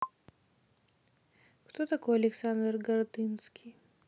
кто такой александр гордынский